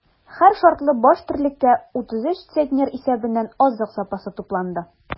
Һәр шартлы баш терлеккә 33 центнер исәбеннән азык запасы тупланды.